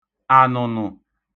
ànụ̀nụ̀